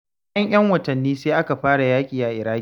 Bayan 'yan watanni, sai aka fara yaƙi a Iraƙi.